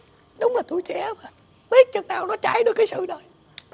đúng là tuổi trẻ mà tiếc cho tao nó trải được cái sự đời